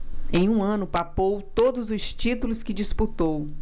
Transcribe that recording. em um ano papou todos os títulos que disputou